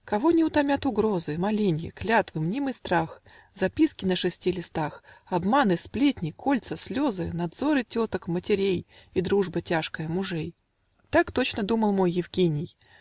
Кого не утомят угрозы, Моленья, клятвы, мнимый страх, Записки на шести листах, Обманы, сплетни, кольцы, слезы, Надзоры теток, матерей И дружба тяжкая мужей! Так точно думал мой Евгений.